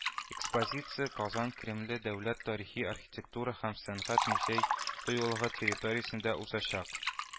Экспозиция “Казан Кремле” дәүләт тарихи-архитектура һәм сәнгать музей-тыюлыгы территориясендә узачак